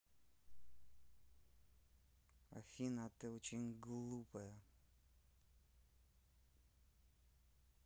афина ты очень глупая